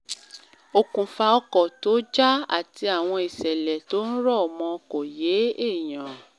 Okùnfà ọkọ̀ tó jà àti àwọn iṣẹ̀lẹ̀ tó ń rọ̀ mọ̀ kó yẹ́ èèyàn.